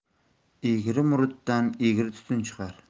egri mo'ridan egri tutun chiqar